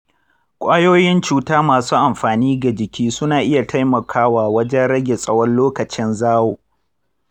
kwayoyin cuta masu amfani ga jiki suna iya taimakawa wajen rage tsawon lokacin zawo.